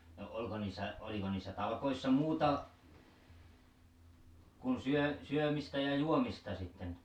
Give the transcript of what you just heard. no oliko niissä oliko niissä talkoissa muuta kun - syömistä ja juomista sitten